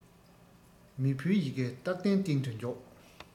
མི ཕོའི ཡི གེ སྟག གདན སྟེང དུ འཇོག